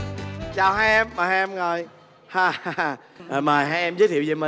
chào hai em mời hai em ngồi ha ha mời hai em giới thiệu về mình